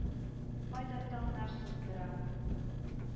Кайда таңнар сыздыра;